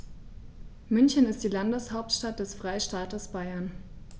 München ist die Landeshauptstadt des Freistaates Bayern.